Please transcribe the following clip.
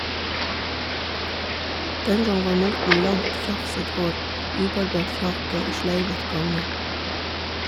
Den gang var moten langt, tjafset hår, ubarbert kjake og sleivet gange.